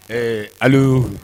Ee ali'